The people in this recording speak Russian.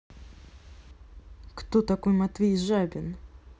кто такой матвей жабин